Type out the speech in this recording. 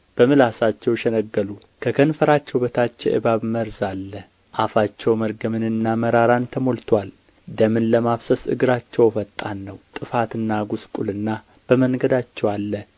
በምላሳቸው ሸነገሉ ከከንፈራቸው በታች የእባብ መርዝ አለ አፋቸው መርገምንና መራራን ተሞልቶአል ደምን ለማፍሰስ እግራቸው ፈጣን ነው ጥፋትና ጕስቍልና በመንገዳቸው አለ